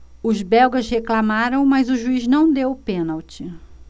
os belgas reclamaram mas o juiz não deu o pênalti